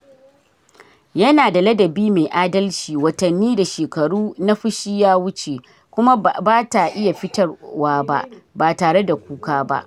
Yana da ladabi mai adalci, watanni da shekaru na fushi ya wuce, kuma ba ta iya fitarwa ba, ba tare da kuka ba.